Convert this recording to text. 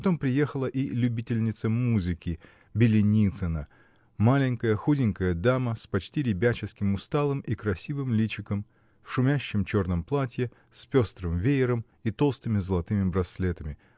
потом приехала и любительница музыки, Беленицына, маленькая, худенькая дама, с почти ребяческим, усталым и красивым личиком, в шумящем черном платье, с пестрым веером и толстыми золотыми браслетами